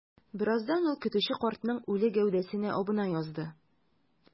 Бераздан ул көтүче картның үле гәүдәсенә абына язды.